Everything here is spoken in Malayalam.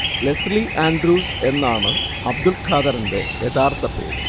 ലെസ്ലി ആന്ഡ്രൂസ് എന്നാണ് അബ്ദുള്‍ ഖാദറിന്റെ യഥാർഥ പേര്